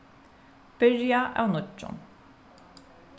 byrja av nýggjum